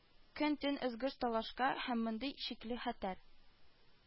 Көн-төн ызгыш-талашка һәм мондый шикле, хәтәр